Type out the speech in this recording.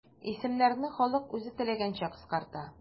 Исемнәрне халык үзе теләгәнчә кыскарта.